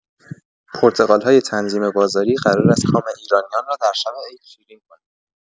پرتقال‌های تنظیم بازاری قرار است کام ایرانیان را در شب عید شیرین کند.